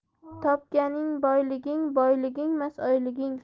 topganing boyliging boyligingmas oyhging